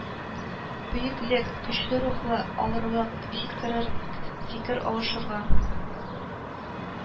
Бөеклек, көчле рухлы, авырлык, җиткерерг, фикер алышырга